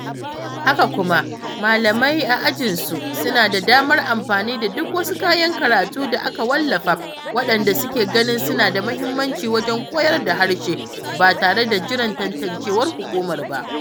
Haka kuma, malamai a ajinsu suna da damar amfani da duk wasu kayan karatu da aka wallafa waɗanda suke ganin suna da muhimmanci wajen koyar da harshe, ba tare da jiran tantancewar hukuma ba.